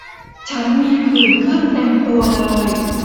ฉันมีผื่นขึ้นเต็มตัวเลย